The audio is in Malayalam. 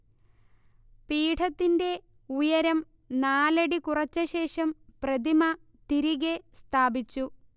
പീഠത്തിന്റെ ഉയരം നാലടി കുറച്ചശേഷം പ്രതിമ തിരികെ സ്ഥാപിച്ചു